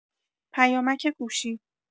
پیامک گوشی